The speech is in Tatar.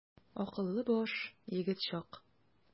Акыллы баш, егет чак.